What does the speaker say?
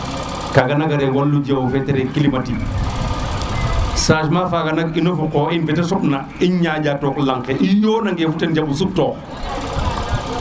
kaga na ne el no jawu fe te ne el climatique changement faga nak ino fo qox in fete soɓ na i ƴaƴa tok lang ke i ñow na nge fo ten koy jambo suɓ toox